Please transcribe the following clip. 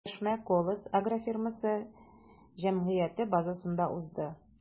Киңәшмә “Колос” агрофирмасы” ҖЧҖ базасында узды.